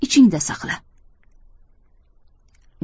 ichingda saqla